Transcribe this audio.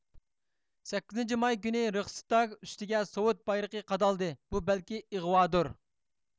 سەككىزىنچى ماي كۈنى رېخىستاگ ئۈستىگە سوۋېت بايرىقى قادالدى بۇ بەلكى ئىغۋادۇر